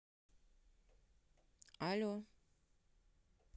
алле